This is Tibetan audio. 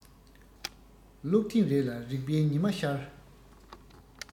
ཀློག ཐེངས རེ ལ རིག པའི ཉི མ ཤར